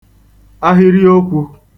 ahịrịokwū